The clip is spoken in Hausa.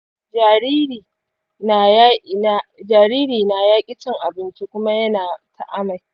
jariri na ya ƙi cin abinci kuma yana ta amai.